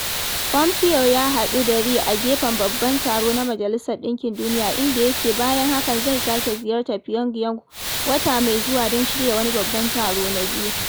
Pompeo ya haɗu da Ri a gefen Babban Taro na Majalisar Ɗinkin Duniya inda ya ce bayan hakan zai sake ziyartar Pyongyang wata mai zuwa don shirya wani babban taro na biyu.